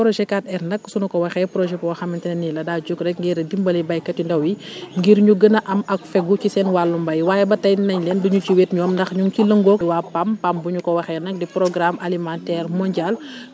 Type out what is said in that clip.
projet 4R nag su ma ko waxee projet boo xamante ne nii la daa jóg ngir dimbali béykat yu ndaw yi ngir énu gën a am ag fegu ci seen wàllum mbéy waaye ba tey nee nañ du ñu ci wéet ñoom ndax ñu ngi ci lëngoog waa PAM PAM bu ñu ko waxee nag di programme alimentaire mondial